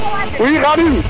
i Khadim